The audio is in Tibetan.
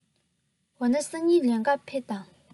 འོ ན སང ཉིན ལེན ག ཕེབས དང